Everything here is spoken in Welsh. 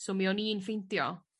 so mi o'n i'n ffeindio